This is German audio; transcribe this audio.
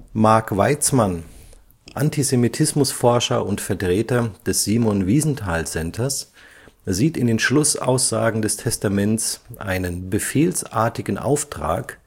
Mark Weitzman, Antisemitismusforscher und Vertreter des Simon Wiesenthal Centers, sieht in den Schlussaussagen des Testaments einen befehlsartigen Auftrag